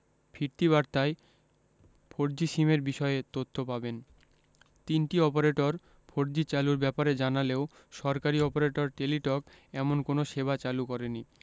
ফিরতি বার্তায় ফোরজি সিমের বিষয়ে তথ্য পাবেন তিনটি অপারেটর ফোরজি চালুর ব্যাপারে জানালেও সরকারি অপারেটর টেলিটক এমন কোনো সেবা চালু করেনি